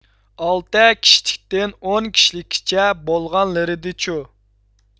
ئالتە كىشىلىكتىن ئون كىشىلىككىچە بولغانلىرىدىچۇ